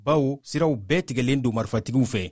bawo sira bɛɛ tigɛlen don marifatigiw fɛ